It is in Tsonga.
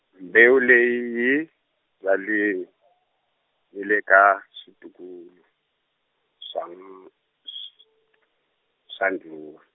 mbewu leyi yi byaleni , ni le ka switukulu-, swan'w- sw- swa -ndzhuwa.